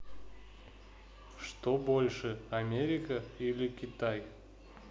что больше америка или китай